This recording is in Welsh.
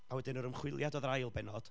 A wedyn, yr ymchwiliad oedd yr ail pennod.